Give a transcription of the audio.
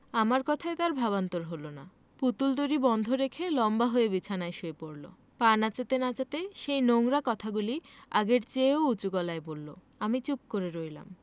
আমার কথায় তার ভাবান্তর হলো না পুতুল তৈরী বন্ধ রেখে লম্বা হয়ে বিছানায় শুয়ে পড়লো পা নাচাতে নাচাতে সেই নোংরা কথাগুলি আগের চেয়েও উচু গলায় বললো আমি চুপ করে রইলাম